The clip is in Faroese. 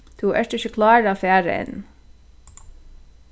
tú ert ikki klárur at fara enn